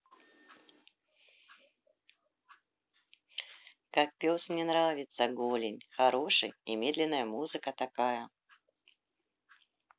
как пес мне нравится голень хороший и медленная музыка такая